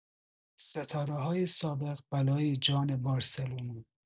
ستاره‌های سابق بلای جان بارسلونا